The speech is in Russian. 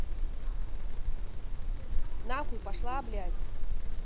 нахуй пошла блядь